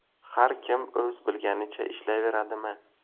har kim o'z bilganicha ishlayveradimi